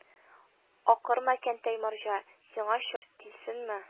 – акырма, кәнтәй марҗа, сиңа чорт тисенме